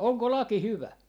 onko laki hyvä